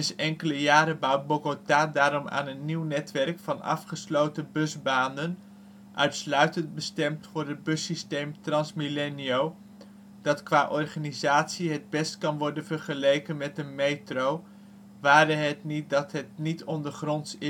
enkele jaren bouwt Bogota daarom aan een nieuw netwerk van afgesloten busbanen, uitsluitend bestemd voor het bussysteem Transmilenio, dat qua organisatie het best kan worden vergeleken met een metro, ware het niet dat het niet ondergronds